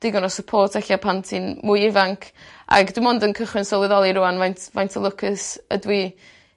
digon o support e'lla' pan ti'n mwy ifanc ag dwi mond yn cychwyn sylweddoli rŵan fain faint o lwcus ydw i.